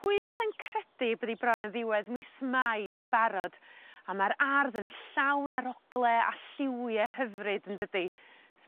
Pwy fysa'n credu bod 'i bron yn ddiwedd mis Mai yn barod a ma'r ardd yn llawn a'r ogle a lliwie hyfryd yndydi?